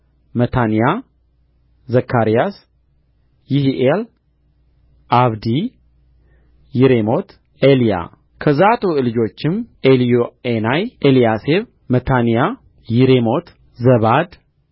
ሙታንያ ዘካርያስ ይሒኤል አብዲ ይሬሞት ኤልያ ከዛቱዕ ልጆችም ዔሊዮዔናይ ኢልያሴብ ሙታንያ ይሬሞት ዛባድ